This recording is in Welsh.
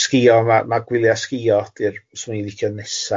Sgïo ma' ma' gwyliau sgïo ydy'r swn i'n licio nesa.